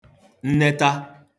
nneta